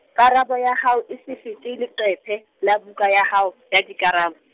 karabo ya hao, e se fete leqephe, la buka ya hao, ya dikarabo.